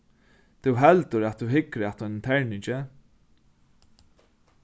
tú heldur at tú hyggur at einum terningi